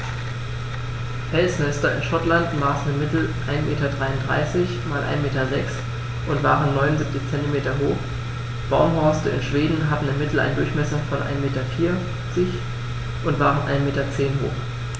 Felsnester in Schottland maßen im Mittel 1,33 m x 1,06 m und waren 0,79 m hoch, Baumhorste in Schweden hatten im Mittel einen Durchmesser von 1,4 m und waren 1,1 m hoch.